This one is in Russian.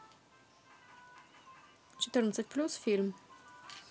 четырнадцать плюс фильм